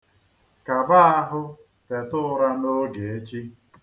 Kaba ahụ teta ụra n'oge echi.